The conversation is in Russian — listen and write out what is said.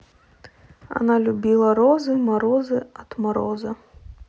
она любила розы морозы от мороза